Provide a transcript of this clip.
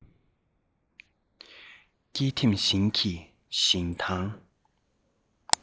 སྐེས ཐེམ བཞིན གྱི ཞིང ཐང